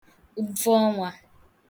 ụgvọọnwā